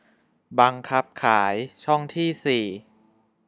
บังคับขายช่องที่สี่